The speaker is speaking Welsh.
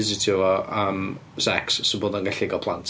Visitio fo am sex so bod o'n gallu cael plant.